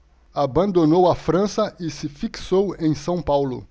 abandonou a frança e se fixou em são paulo